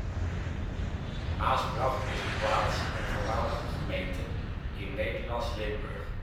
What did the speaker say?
uitspraak (info / uitleg)) is een plaats en voormalige gemeente in Nederlands-Limburg